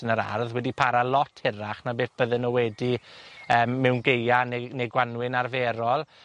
yn yr ardd wedi para lot hirach na beth bydden nw wedi yym, mewn Gaea neu neu Gwanwyn arferol.